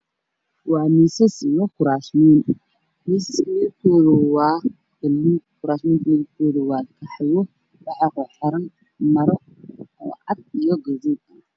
Waa miisas iyo kuraas man miisasku midabkoodu waa buluug kurasmanka midabkoodu qaxwi waxan ku xerxeran maro cad iyo guduud